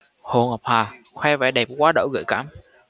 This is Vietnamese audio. hồ ngọc hà khoe vẻ đẹp quá đỗi gợi cảm